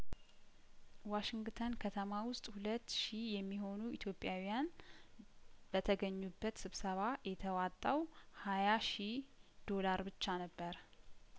ዋሽንግተን ከተማ ውስጥ ሁለት ሺ የሚሆኑ ኢትዮጵያውያን በተገኙበት ስብሰባ የተዋጣው ሀያ ሺህ ዶላር ብቻ ነበረ